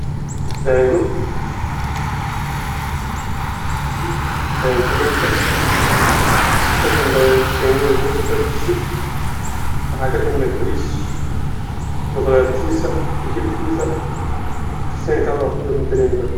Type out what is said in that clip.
Meeshaan waxaa ka muuqdo daango iyo bariis